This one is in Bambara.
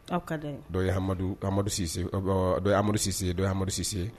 Aw ka dɔw ye amadu amadusise amadusise don amadusise